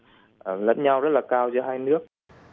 lẫn nhau rất là cao giữa hai nước